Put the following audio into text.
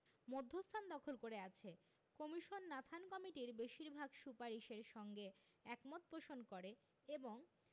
মধ্যস্থান দখল করে আছে কমিশন নাথান কমিটির বেশির ভাগ সুপারিশের সঙ্গে একমত পোষণ করে এবং